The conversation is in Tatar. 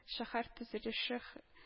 Шәһәр төзелеше һә